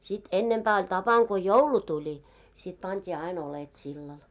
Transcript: sitten ennempää oli tapana kun joulu tuli sitten pantiin aina oljet sillalle